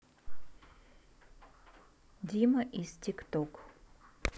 дима из тик ток